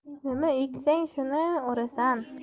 nima eksang shuni o'rasan